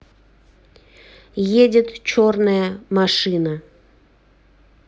едет черная машина